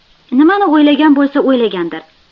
nimani o'ylagan bo'lsa o'ylagandir